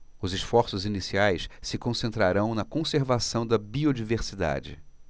os esforços iniciais se concentrarão na conservação da biodiversidade